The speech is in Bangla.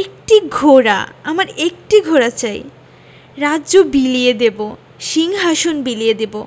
একটি ঘোড়া আমার একটি ঘোড়া চাই রাজ্য বিলিয়ে দেবো সিংহাশন বিলিয়ে দেবো